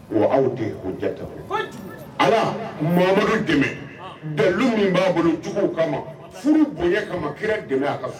Wa aw de kota ala mamamadu dɛmɛ bɛnlu min b'a bolo cogo kama furu bonya kama kira dɛmɛ ka